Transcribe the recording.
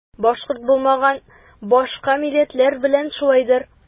Башкорт булмаган башка милләтләр белән дә шулайдыр.